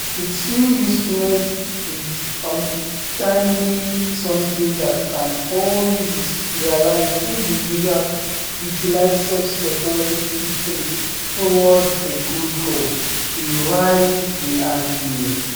Its real usefulness is ultimately something that can only be realized if the users utilize such technology skillfully towards a good goal,” he writes in an e-mail.